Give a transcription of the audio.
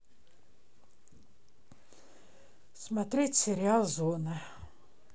смотреть сериал зона